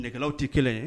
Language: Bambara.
Kɛlaw tɛ kelen ye.